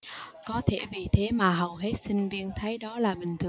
có thể vì thế mà hầu hết sinh viên thấy đó là bình thường